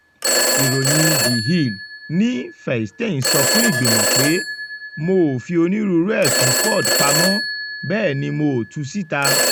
Ìròyìn The Hill ní Feinstein sọ fún ìgbìmọ̀ pé “Mo ‘ò fi onírúurú ẹ̀sùn Ford pamọ́, bẹ́ẹ̀ ni mo ‘ò tu síta.”